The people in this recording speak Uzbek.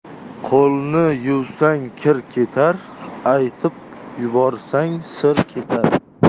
qo'lni yuvsang kir ketar aytib yuborsang sir